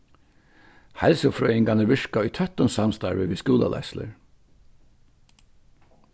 heilsufrøðingarnir virka í tøttum samstarvi við skúlaleiðslur